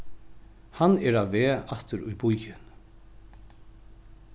hann er á veg aftur í býin